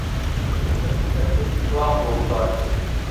เปิดบันทึกกล้องวงจรปิด